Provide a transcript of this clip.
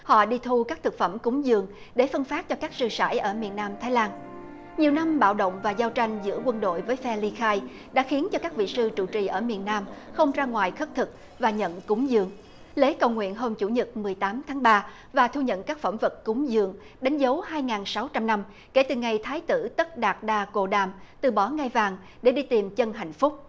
họ đi thu các thực phẩm cúng giường để phân phát cho các sư sãi ở miền nam thái lan nhiều năm bạo động và giao tranh giữa quân đội với phe ly khai đã khiến cho các vị sư trụ trì ở miền nam không ra ngoài khất thực và nhận cúng giường lễ cầu nguyện hôm chủ nhật mười tám tháng ba và thu nhận các phẩm vật cúng giường đánh dấu hai ngàn sáu trăm năm kể từ ngày thái tử tất đạt đa cô đam từ bỏ ngai vàng để đi tìm chân hạnh phúc